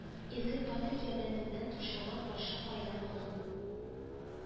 Изге Патрик, ярдәмеңнән ташлама, башы кайда моның